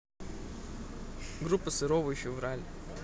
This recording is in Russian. группа суровый февраль